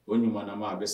O ɲumana man a bɛ